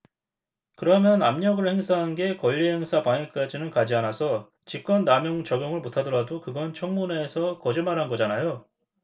그러면 압력을 행사한 게 권리행사 방해까지는 가지 않아서 직권남용 적용을 못하더라도 그건 청문회에서 거짓말한 거잖아요